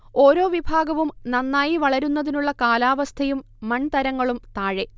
ഓരോ വിഭാഗവും നന്നായി വളരുന്നതിനുള്ള കാലാവസ്ഥയും മൺതരങ്ങളും താഴെ